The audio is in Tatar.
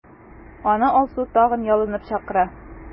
Аны Алсу тагын ялынып чакыра.